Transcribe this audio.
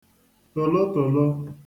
tòlotòlo